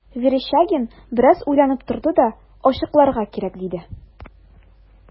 Верещагин бераз уйланып торды да: – Ачыкларга кирәк,– диде.